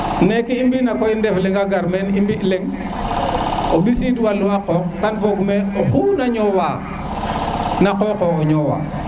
neke i mbana koy ndefleng-a gar meeni mbi leng o ɓisid walum qoq kam foog me o xu na ñowa a qoqo o ñowa